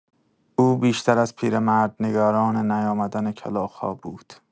او بیشتر از پیرمرد، نگران نیامدن کلاغ‌ها بود.